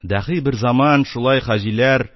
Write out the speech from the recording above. Дәхи бер заман шулай хаҗиләр